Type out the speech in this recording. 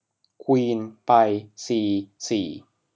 ควีนไปซีสี่